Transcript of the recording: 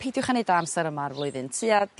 pidiwch â neud o amser yma'r flwyddyn tua